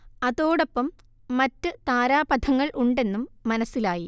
അതോടൊപ്പം മറ്റ് താരാപഥങ്ങൾ ഉണ്ടെന്നും മനസ്സിലായി